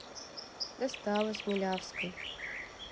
досталось милявской